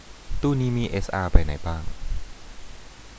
ตู้นี้มีเอสอาใบไหนบ้าง